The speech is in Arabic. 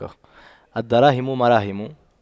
الدراهم مراهم